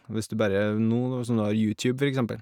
hvis du berre no Nå som du har YouTube, for eksempel.